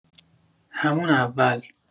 همون اول